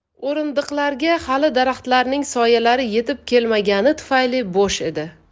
o'rindiqlarga hali daraxtlarning soyalari yetib kelmagani tufayli bo'sh edi